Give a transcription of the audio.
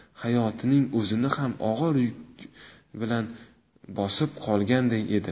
hayotining o'zini ham og'ir yuki bilan bosib qolganday edi